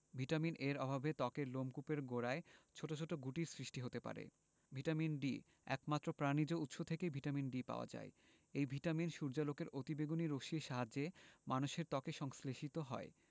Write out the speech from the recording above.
vitamin A এর অভাবে ত্বকের লোমকূপের গোড়ায় ছোট ছোট গুটির সৃষ্টি হতে পারে ভিটামিন ডি একমাত্র প্রাণিজ উৎস থেকেই ভিটামিন ডি পাওয়া যায় এই ভিটামিন সূর্যালোকের অতিবেগুনি রশ্মির সাহায্যে মানুষের ত্বকে সংশ্লেষিত হয়